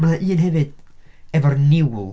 Mae na un hefyd efo'r niwl.